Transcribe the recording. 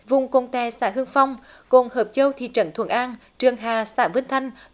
vùng cồn tè xã hưng phong cồn hợp châu thị trấn thuận an trường hà xã vĩnh thanh